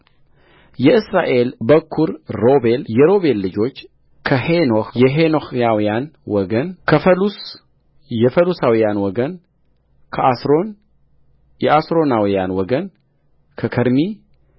የእስራኤል በኵር ሮቤል የሮቤል ልጆች ከሄኖኅ የሄኖኀውያን ወገን ከፈሉስ የፈሉሳውያን ወገንከአስሮን የአስሮናውያን ወገን ከከርሚ